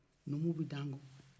numuw bɛ da anw ko